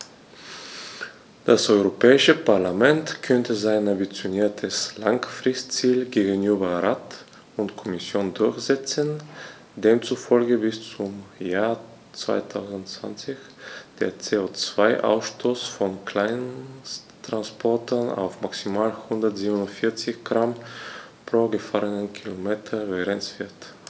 Das Europäische Parlament konnte sein ambitioniertes Langfristziel gegenüber Rat und Kommission durchsetzen, demzufolge bis zum Jahr 2020 der CO2-Ausstoß von Kleinsttransportern auf maximal 147 Gramm pro gefahrenem Kilometer begrenzt wird.